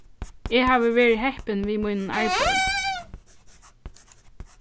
eg havi verið heppin við mínum arbeiði